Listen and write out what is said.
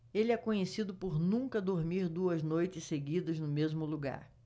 ele é conhecido por nunca dormir duas noites seguidas no mesmo lugar